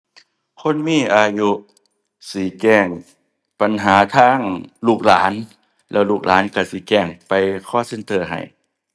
คนมีอายุสิแจ้งปัญหาทางลูกหลาน แล้วลูกหลานก็สิแจ้งไป call center ให้